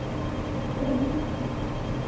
остроумно